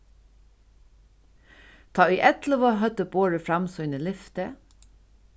tá ið ellivu høvdu borið fram síni lyfti